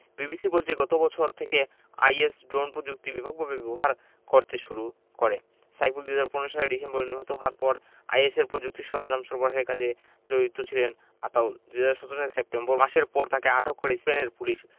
বিবিসির বলছে গত বছর থেকে আইএস ড্রোন প্রযুক্তি ব্যাপকভাবে ব্যবহার করতে শুরু করে সাইফুল ২০১৫ সালের ডিসেম্বরে নিহত হওয়ার পর আইএসের প্রযুক্তি সরঞ্জাম সরবরাহের কাজে জড়িত ছিলেন আতাউল ২০১৭ সালের সেপ্টেম্বর মাসের পর তাকে আটক করে স্পেনের পুলিশ